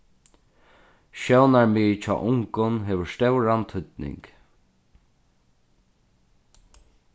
sjónarmiðið hjá ungum hevur stóran týdning